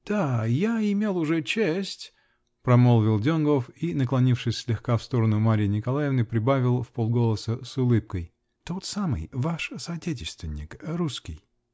-- Да. я имел уже честь, -- промолвил Донгоф и, наклонившись слегка в сторону Марьи Николаевны, прибавил вполголоса, с улыбкой:-- Тот самый. Ваш соотечественник. русский.